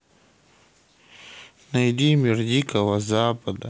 найди мир дикого запада